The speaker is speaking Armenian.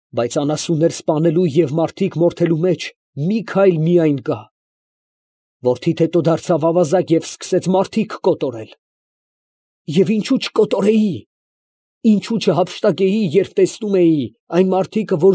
Բայց անասուններ սպանելու և մարդիկ մորթելու մեջ մի քայլ միայն կա, որդիդ հետո դարձավ ավազակ և սկսեց մարդիկ կոտորել… Եվ ինչո՞ւ չկոտորեի, ինչո՞ւ չհափշտակեի, երբ տեսնում էի, այն մարդիկը,